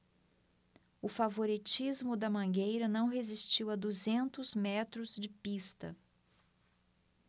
o favoritismo da mangueira não resistiu a duzentos metros de pista